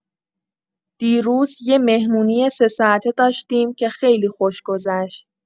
دیروز یه مهمونی سه‌ساعته داشتیم که خیلی خوش گذشت.